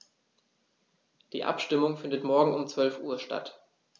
Die Abstimmung findet morgen um 12.00 Uhr statt.